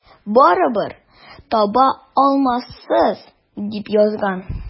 Барыбер таба алмассыз, дип язган.